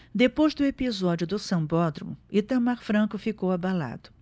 depois do episódio do sambódromo itamar franco ficou abalado